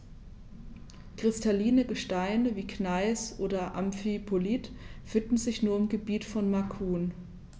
Kristalline Gesteine wie Gneis oder Amphibolit finden sich nur im Gebiet von Macun.